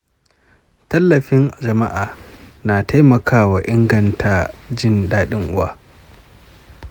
tallafin jama’a na taimakawa inganta jin daɗin uwa.